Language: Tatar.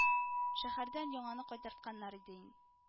Шәһәрдән яңаны кайтартканнар иден